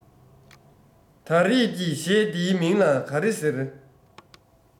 ད རེད ཀྱི གཞད འདིའི མིང ལ ག རེ ཟེར